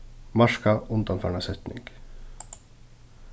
marka undanfarna setning